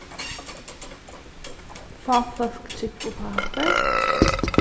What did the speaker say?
fá fólk trúgva upp á hatta